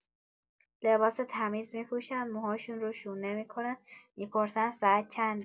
لباس تمیز می‌پوشن، موهاشون رو شونه می‌کنن، می‌پرسن ساعت چنده.